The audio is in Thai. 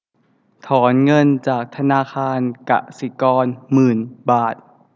ถอนเงินจากธนาคารกสิกรหมื่นบาท